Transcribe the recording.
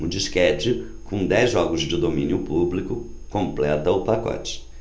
um disquete com dez jogos de domínio público completa o pacote